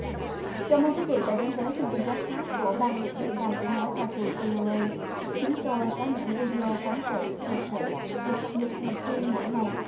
cám ơn quý vị đã đến với chương trình goép cát của ban việt ngữ đài tiếng nói hoa kỳ vi âu ây chúng tôi có những vi đi ô phóng sự thời sự được cập nhật thường xuyên mỗi ngày